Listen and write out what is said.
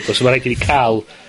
...achos ma' raid i ni ca'l